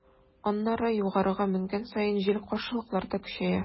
Аннары, югарыга менгән саен, җил-каршылыклар да көчәя.